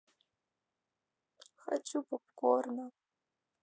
хочу попкорна